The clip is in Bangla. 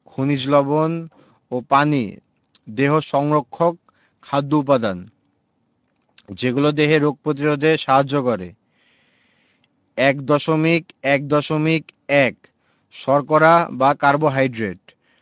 খনিজ লবন ও পানি দেহ সংরক্ষক খাদ্য উপাদান যেগুলো দেহের রোগ প্রতিরোধে সাহায্য করে ১.১.১ শর্করা বা কার্বোহাইড্রেট